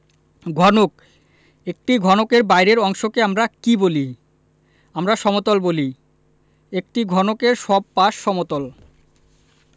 ঘনকঃ একটি ঘনকের বাইরের অংশকে আমরা কী বলি আমরা সমতল বলি একটি ঘনকের সব পাশ সমতল